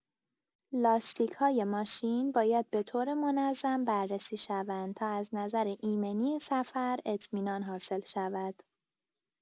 لاستیک‌های ماشین باید به‌طور منظم بررسی شوند تا از نظر ایمنی سفر اطمینان حاصل شود.